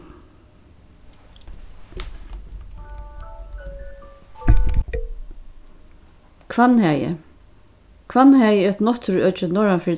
hvannhagi hvannhagi er eitt náttúruøki norðanfyri